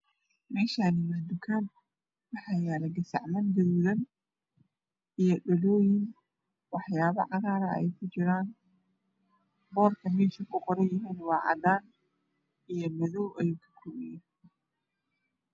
Meeshaan waa tukaan waxaa yaal gasacman gaduudan iyo dhalooyin wax yaabo cagaara ay kujiraan. boorka meesha ku qoranyahayna waa cadaan iyo madow ayuu kakooban yahay.